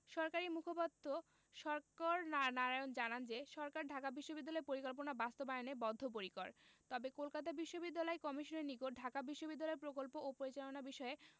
সরকারি মুখপাত্র শরকর নারায়ণ জানান যে সরকার ঢাকা বিশ্ববিদ্যালয় পরিকল্পনা বাস্তবায়নে বদ্ধপরিকর তবে কলকাতা বিশ্ববিদ্যালয় কমিশনের নিকট ঢাকা বিশ্ববিদ্যালয় প্রকল্প ও পরিচালনা বিষয়ে